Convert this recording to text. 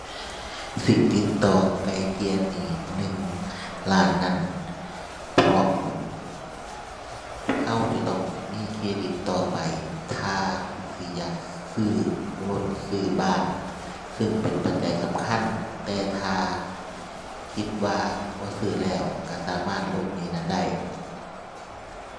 สิติดต่อไกล่เกลี่ยหนี้หนึ่งล้านนั้น เพราะเราจะต้องมีเครดิตต่อไป ถ้าสิอยากซื้อรถซื้อบ้าน ซึ่งเป็นปัจจัยสำคัญ แต่ถ้า คิดว่าบ่ซื้อแล้วเราสามารถโละหนี้นั้นได้